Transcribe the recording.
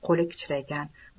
qo'li kichraygan